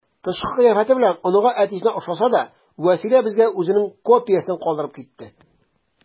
Тышкы кыяфәте белән оныгы әтисенә охшаса да, Вәсилә безгә үзенең копиясен калдырып китте.